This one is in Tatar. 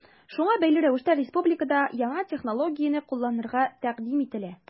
Шуңа бәйле рәвештә республикада яңа технологияне кулланырга тәкъдим ителә.